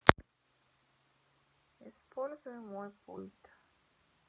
используй мой пульт